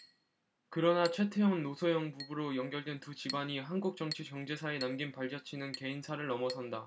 그러나 최태원 노소영 부부로 연결된 두 집안이 한국 정치 경제사에 남긴 발자취는 개인사를 넘어선다